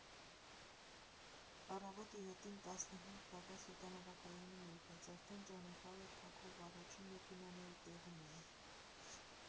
Առավոտը յոթին տասնհինգ պակաս օդանավակայանում էի, բայց արդեն ճանապարհը փակող առաջին մեքենաները տեղում էին։